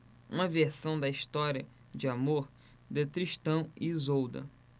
uma versão da história de amor de tristão e isolda